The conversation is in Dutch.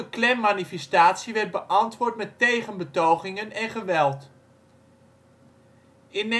Klan-manifestatie werd beantwoord met tegenbetogingen en - geweld. In